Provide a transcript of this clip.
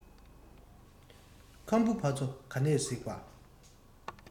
ཁམ བུ ཕ ཚོ ག ནས གཟིགས པ